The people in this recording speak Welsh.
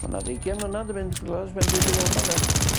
Ma' 'na ddugien mlynadd 'di mynd rŵan e's ben dwi 'di weld o ynde?